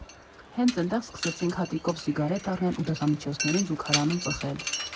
Հենց էնտեղ սկսեցինք հատիկով սիգարետ առնել ու դասամիջոցներին զուգարանում ծխել։